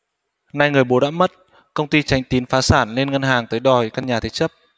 nay người bố đã mất công ty chánh tín phá sản nên ngân hàng tới đòi căn nhà thế chấp